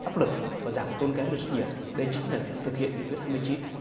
áp lực giảm tốn kém được rất nhiều đây chính là việc thực hiện nghị quyết hai mươi chín